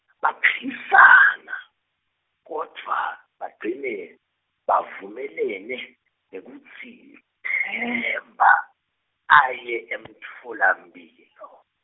baphikisana, kodvwa, bagcine, bavumelene, ngekutsi, Themba, aye emtfolamphilo.